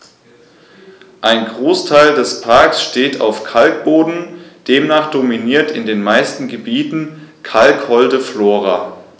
Ein Großteil des Parks steht auf Kalkboden, demnach dominiert in den meisten Gebieten kalkholde Flora.